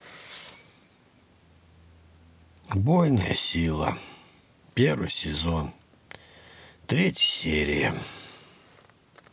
убойная сила первый сезон третья серия